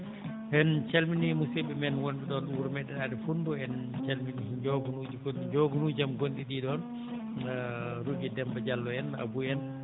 en calminii musidɓe men wonɓe ɗo ɗo wuro meɗen Ade Fundu en calminii joganuuji joganujam gonɗi ɗiɗon Rougui Demba Diallo en Abou en